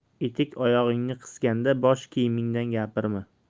etik oyog'ingni qisganda bosh kiyimingdan gapirma